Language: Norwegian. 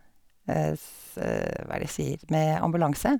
s Hva er det jeg sier, med ambulanse.